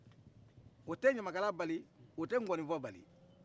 o tɛ ɲamakalaya bali o tɛ ŋɔni fɔ bali